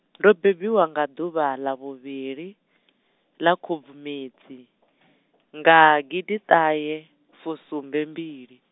ndo bebiwa nga ḓuvha ḽa vhuvhili, ḽa Khubvumedzi, nga gidiṱahefusumbembili-.